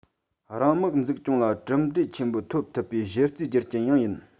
རང དམག འཛུགས སྐྱོང ལ གྲུབ འབྲས ཆེན པོ ཐོབ ཐུབ པའི གཞི རྩའི རྒྱུ རྐྱེན ཡང ཡིན